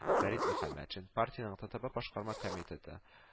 Фәрит Мөхәммәтшин, партиянең ТТБ башкарма комитеты